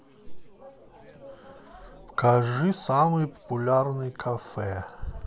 покажи самые популярные кафе